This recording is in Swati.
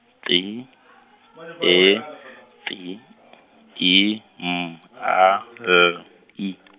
T , E, T, I, M, A, L, I.